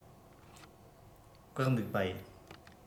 བཀག འདུག པ ཡིན